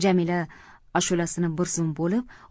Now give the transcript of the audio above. jamila ashulasini bir zum bo'lib